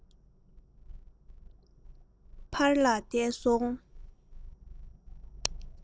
ཕར ལ འདས སོང